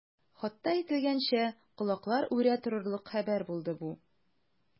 Хатта әйтелгәнчә, колаклар үрә торырлык хәбәр булды бу.